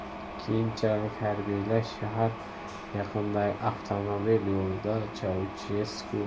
keyinchalik harbiylar shahar yaqinidagi avtomobil yo'lida chaushesku